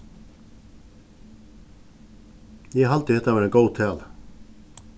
eg haldi hetta var ein góð tala